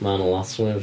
Maen nhw'n lot fwy.